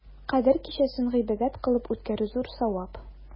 Кадер кичәсен гыйбадәт кылып үткәрү зур савап.